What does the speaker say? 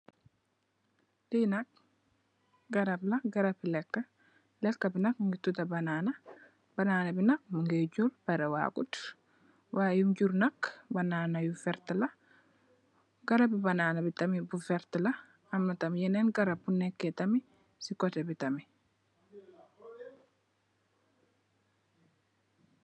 Lee nak garab la garabe leke leka be nak muge tuda banana banana be nak muge jurr pareh wagut way yum jurr nak banana yu verte la garabe banana be tamin bu verte la amna tam yenen garab bu neke tamin se koteh be tamin.